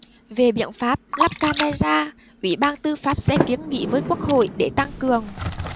về biện pháp lắp camera ủy ban tư pháp sẽ kiến nghị với quốc hội để tăng cường